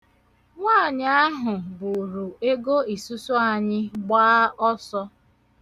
Nwaanyị buuru ego isusu anyị gbaa ọsọ.